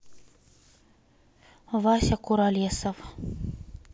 вася куролесов